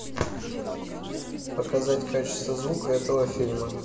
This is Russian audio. показать качество звука этого фильма